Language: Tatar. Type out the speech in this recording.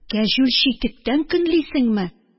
Кәҗүл читектән көнлисеңме?